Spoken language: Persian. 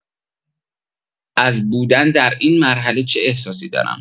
از بودن دراین مرحله چه احساسی دارم؟